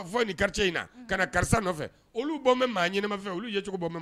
Karisa mɔgɔ fɛ olu cogo